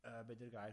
Yy, be 'di'r gair?